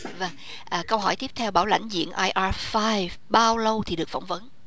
vâng câu hỏi tiếp theo bảo lãnh diện ai a phai bao lâu thì được phỏng vấn